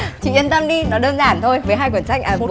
chị yên tâm đi nó đơn giản thôi với hai quyển sách à với